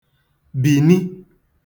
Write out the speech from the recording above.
bìni